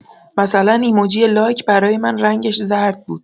مثلا ایموجی لایک برای من رنگش زرد بود.